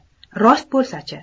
rost bo'lsa chi